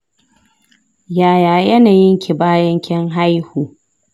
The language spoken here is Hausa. yaya yanayinki bayan kin haihu